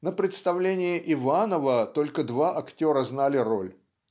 На представлении "Иванова" только два актера знали роль